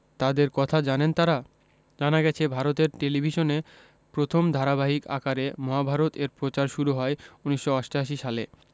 তাঁদের কথা জানেন তাঁরা জানা গেছে ভারতের টেলিভিশনে প্রথম ধারাবাহিক আকারে মহাভারত এর প্রচার শুরু হয় ১৯৮৮ সালে